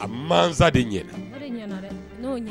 A masa de ɲɛna o de ɲɛna dɛ n'o ma